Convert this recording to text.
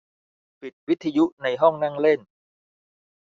ปิดวิทยุในห้องนั่งเล่น